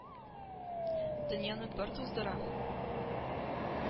Дөньяны пыр туздыра?